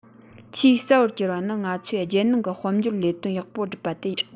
ཆེས རྩ བར གྱུར པ ནི ང ཚོས རྒྱལ ནང གི དཔལ འབྱོར ལས དོན ཡག པོ སྒྲུབ པ དེ ཡིན